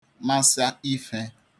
masa ife